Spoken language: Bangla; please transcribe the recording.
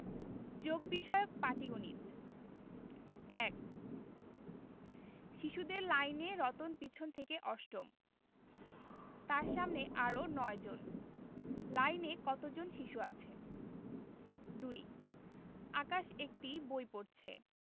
যোগ বিষয়ক পাটিগনিতঃ ১ শিশুদের লাইনে রতন পিছন থেকে অষ্টম তার সামনে আরও ৯ জন লাইনে কত জন শিশু আছে ২ আকাশ একটি বই পড়ছে